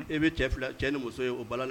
E bɛ cɛ 2 ni muso ye o bala